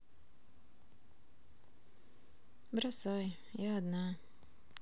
бросай я одна